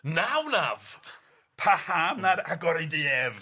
Na wnaf! Paham na'r agori di ef?